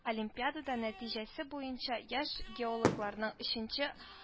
Олимпиадада нәтиҗәсе буенча яшь геологларның өченче